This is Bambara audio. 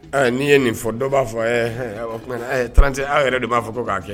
N'i ye nin fɔ dɔ b'a fɔ ɛ 31 aw yɛrɛ de m'a fɔ ko k'a kɛ